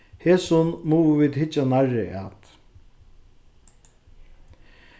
hesum mugu vit hyggja nærri at